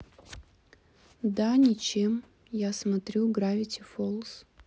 да ничем я смотрю гравити фолз